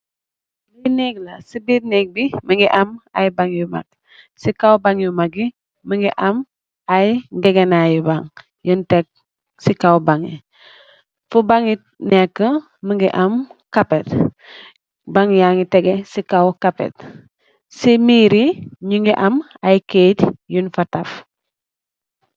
Fi nbeeg la si birr neeg bi mogi am ay bang yu maag si kaw bang yu maagi mogi am ay ngegenay bang yun teck si kaw bang yi fo bangi neka mogi am carpet bang yagi tegu si kaw carpet meer yi mogi am ay keyt yun fa taff.